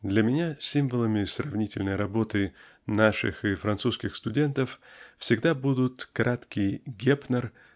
Для меня символами сравнительной работы наших и французских студентов всегда будут краткий Гепнер